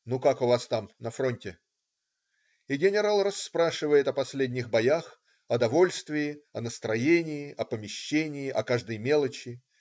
Ну, как у вас там, на фронте?" И генерал расспрашивает о последних боях, о довольствии, о настроении, о помещении, о каждой мелочи.